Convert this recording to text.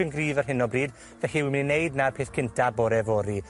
yn gryf ar hyn o bryd, felly wi myn' i neud na'r peth cynta bore fory.